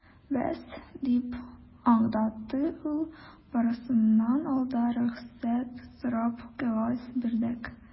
Без, - дип аңлатты ул, - барысыннан алда рөхсәт сорап кәгазь бирдек.